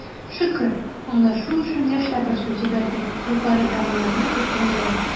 Шөкер, аңлашу эшен, яшьләр башлап җибәрде, югарыдагыларны көтмәделәр.